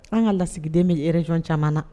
An ka lasigiden bɛ rej caman na